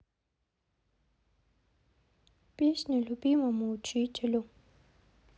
песня любимому учителю